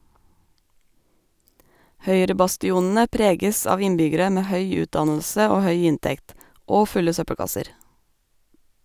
Høyrebastionene preges av innbyggere med høy utdannelse og høy inntekt - og fulle søppelkasser.